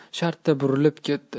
shartta burilib ketdi